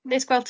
Neis gweld ti.